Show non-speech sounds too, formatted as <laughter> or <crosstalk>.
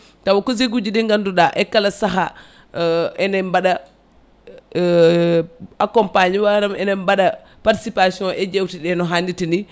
tawa ko zeg uji ɗi ganduɗa e kala saaha <hesitation> ene mbaɗa <hesitation> accompagne manam ene mbaɗa participâtion e jewteɗe no hannirta ni